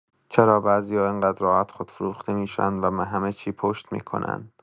چرا بعضیا انقدر راحت خودفروخته می‌شن و به همه چی پشت می‌کنن؟